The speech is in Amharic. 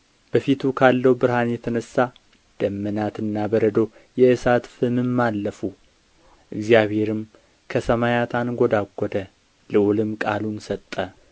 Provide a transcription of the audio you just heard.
በፊቱ ካለው ብርሃን የተነሣ ደመናትና በረዶ የእሳት ፍምም አለፉ እግዚአብሔርም ከሰማያት አንጐደጐደ ልዑልም ቃሉን ሰጠ